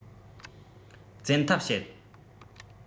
བཙན ཐབས བྱེད